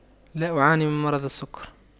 لا أعاني من مرض السكر